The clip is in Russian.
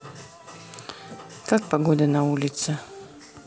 как погода на улице